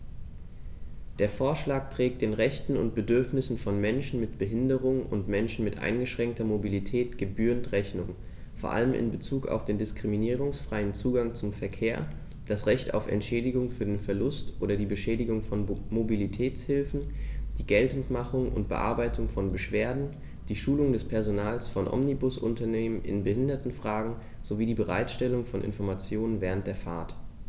Der Vorschlag trägt den Rechten und Bedürfnissen von Menschen mit Behinderung und Menschen mit eingeschränkter Mobilität gebührend Rechnung, vor allem in Bezug auf den diskriminierungsfreien Zugang zum Verkehr, das Recht auf Entschädigung für den Verlust oder die Beschädigung von Mobilitätshilfen, die Geltendmachung und Bearbeitung von Beschwerden, die Schulung des Personals von Omnibusunternehmen in Behindertenfragen sowie die Bereitstellung von Informationen während der Fahrt.